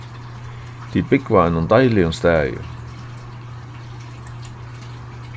tit búgva á einum deiligum staði